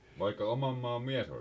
vaikka oman maan mies oli